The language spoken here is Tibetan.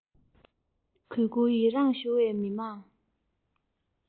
གུས བཀུར ཡིད རང ཞུ བའི མི དམངས